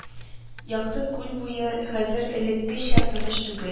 Якты күл буе хәзер элеккечә тыныч түгел